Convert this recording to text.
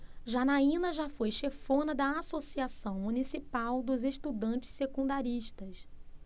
janaina foi chefona da ames associação municipal dos estudantes secundaristas